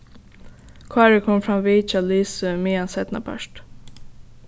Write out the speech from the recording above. kári kom framvið hjá lisu miðjan seinnapart